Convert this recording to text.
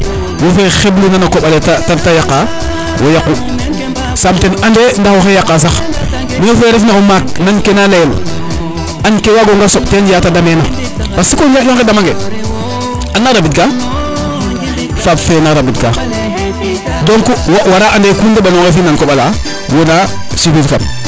wo fe xebluna na koɓale te yaqa wo yaqu saam ten ande ndax waxey yaqa sax wo fe refna o maak nan kena leyel an ke wagonga soɓ teen yate damena parce que o njaƴonge dama nge an na rabid ka faaf fe na rabid ka donc wo wara ande ku ndeɓanongoxe fina koɓala wona subir kan